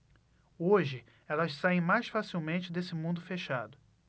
hoje elas saem mais facilmente desse mundo fechado